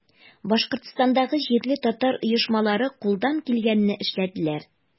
Башкортстандагы җирле татар оешмалары кулдан килгәнне эшләделәр.